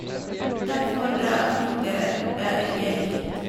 Derfor flytter jeg hit.